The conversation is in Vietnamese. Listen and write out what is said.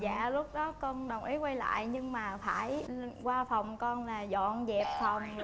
dạ lúc đó con đồng ý quay lại nhưng mà phải qua phòng con là dọn dẹp phòng rồi